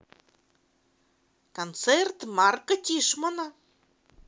концерт марка тишмана